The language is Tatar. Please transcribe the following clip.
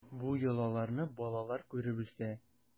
Бу йолаларны балалар күреп үсә.